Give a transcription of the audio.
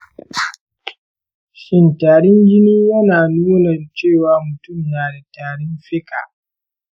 shin tarin jini yana nuna cewa mutum na da tarin fika